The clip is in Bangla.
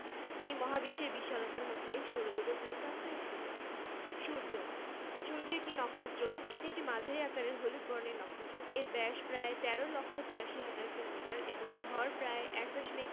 গ্রহগুলো মহাকর্ষ বলের প্রভাবে সূর্যের চারদিকে ঘুরছে সৌরজগতের যাবতীয় গ্রহ উপগ্রহের নিয়ন্ত্রক হলো সূর্য সূর্যকে ভিত্তি করে সৌরজগতের যাবতীয় কাজকর্ম চলে